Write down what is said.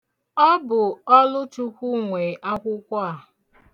Ọ bụ Ọlụchukwu nwe akwụkwọ a.